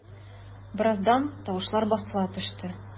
Бераздан тавышлар басыла төште.